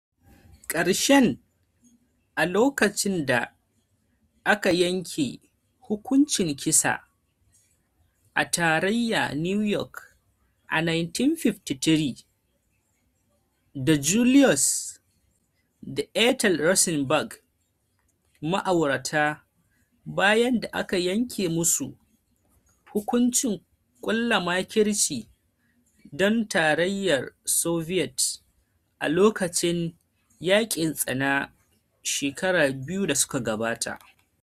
karshen a lokacin da aka yanke hukuncin kisa a tarayya New York a 1953 ga Julius da Ethel Rosenberg, ma'aurata bayan da aka yanke musu hukuncin kulla makirci don Tarayyar Soviet a lokacin Yakin Tsana shekaru biyu da suka gabata.